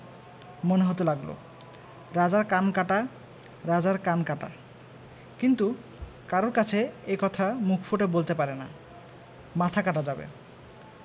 মনে হতে লাগল রাজার কান কাটা রাজার কান কাটা কিন্তু কারুর কাছে এ কথা মুখ ফুটে বলতে পারে না মাথা কাটা যাবে